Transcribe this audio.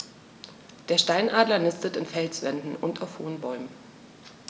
Der Steinadler nistet in Felswänden und auf hohen Bäumen.